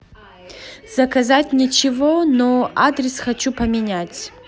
заказать ничего но адрес хочу поменять